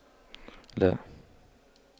لا